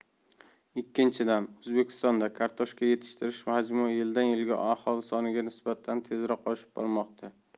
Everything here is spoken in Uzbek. ikkinchidan o'zbekistonda kartoshka yetishtirish hajmi yildan yilga aholi soniga nisbatan tezroq oshib bormoqda